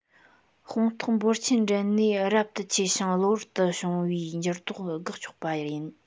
དཔང རྟགས འབོར ཆེན འདྲེན ནས རབ ཏུ ཆེ ཞིང གློ བུར དུ བྱུང བའི འགྱུར ལྡོག དགག ཆོག པ ཡིན